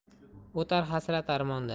o'tar hasrat armonda